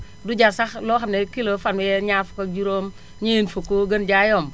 du jar sax loo xam ne kilo fanweer ñaar fukk ak juróom ñeent fukk gën jaa yomb